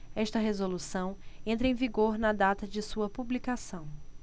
esta resolução entra em vigor na data de sua publicação